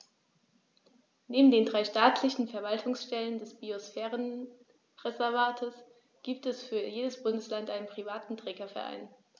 Neben den drei staatlichen Verwaltungsstellen des Biosphärenreservates gibt es für jedes Bundesland einen privaten Trägerverein.